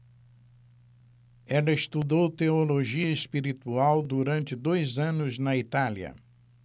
ela estudou teologia espiritual durante dois anos na itália